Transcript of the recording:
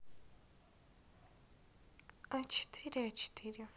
а четыре а четыре